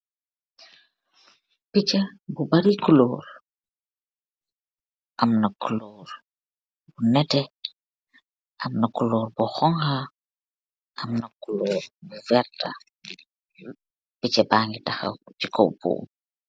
Picha bu bari kuloor, amna kuloor bu nehteh, amna kuloor bu oung ka, amna kuloor bu verta, picha baa gei tawwu ce gaw mbomu